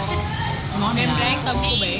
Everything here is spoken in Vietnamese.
món này gí quên mất tiêu rồi ta